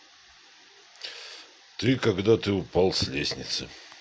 ты когда ты упал с лестницы